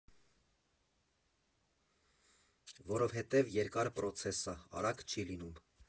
Որովհետև երկար պրոցես ա, արագ չի լինում։